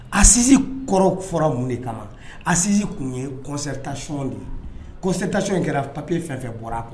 Asisi kɔrɔ fɔra mun de kama asi tun ye kɔsɛtac de ye kɔsɛtac kɛra papiye fɛn fɛ bɔra a kɔnɔ